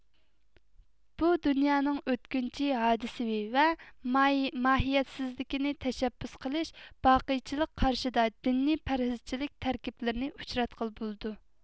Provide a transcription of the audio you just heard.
بۇ دۇنيانىڭ ئۆتكۈنچى ھادىسىۋى ۋە ماھىيەتسىزلىكىنى تەشەببۇس قىلىش باقىيچىلىق قارىشىدا دىنىي پەرھىزچىلىك تەركىبلىرىنى ئۇچراتقىلى بولىدۇ